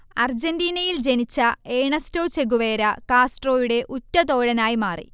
അർജന്റീനയിൽ ജനിച്ച Ernesto Che Guevara, കാസ്ട്രോയുടെ ഉറ്റതോഴനായി മാറി